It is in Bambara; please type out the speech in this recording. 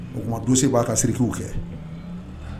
O tuma du se b'a ka sirikiw kɛ